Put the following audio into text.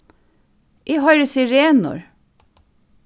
eg hoyri sirenur